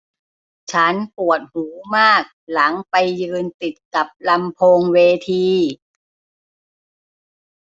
ฉันปวดหูมากหลังไปยืนติดกับลำโพงเวที